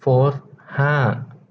โฟธห้า